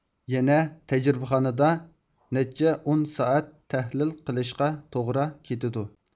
يەنە تەجرىبىخانىدا نەچچە ئون سائەت تەھلىل قىلىشقا توغرا كېتىدۇ